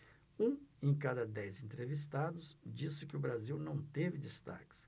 um em cada dez entrevistados disse que o brasil não teve destaques